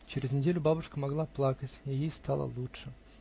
Через неделю бабушка могла плакать, и ей стало лучше.